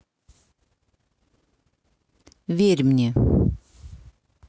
верь мне